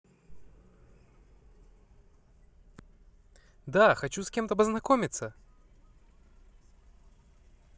да хочу с кем то познакомить